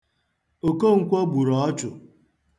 Okonkwọ gburu ọchụ.